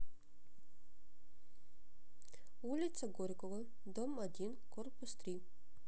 улица горького дом один корпус три